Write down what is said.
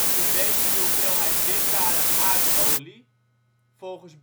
bewezen hoeveelheid winbare aardolie, volgens